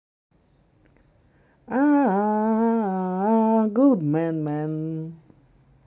a a a a a a good man man